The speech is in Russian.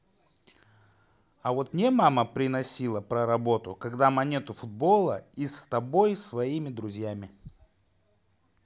а вот мне мама приносила про работу когда монету футбола и с тобой своими друзьями